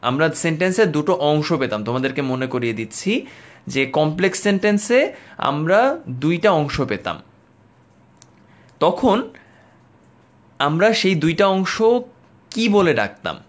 আমরা সেন্টেন্সে দুটো অংশ পেতাম তোমাদেরকে মনে করিয়ে দিচ্ছি যে কম্প্লেক্স সেন্টেন্সে আমরা দুইটা অংশ পেতাম তখন আমরা সেই দুটো অংশ কি বলে ডাকতাম